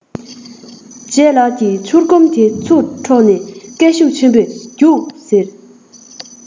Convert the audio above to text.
ལྗད ལགས ཀྱིས ཕྱུར སྐོམ དེ ཚུར འཕྲོག ནས སྐད ཤུགས ཆེན པོས རྒྱུགས ཟེར